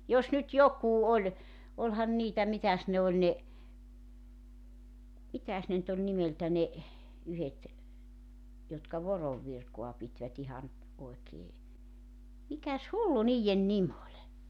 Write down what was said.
jos nyt joku oli olihan niitä mitäs ne oli ne mitäs ne nyt oli nimeltä ne yhdet jotka voron virkaa pitivät ihan oikein mikäs hullu niiden nimi oli